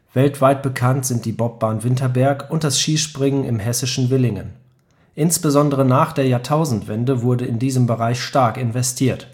Weltweit bekannt sind die Bobbahn Winterberg und das Skispringen im hessischen Willingen. Insbesondere nach der Jahrtausendwende wurde in diesem Bereich stark investiert